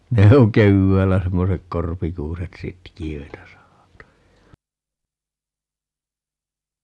ne on keväällä semmoiset korpikuuset sitkeitä sahata